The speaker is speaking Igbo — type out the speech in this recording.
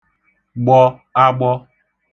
gbọ (agbọ)